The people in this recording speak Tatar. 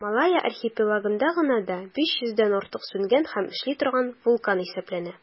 Малайя архипелагында гына да 500 дән артык сүнгән һәм эшли торган вулкан исәпләнә.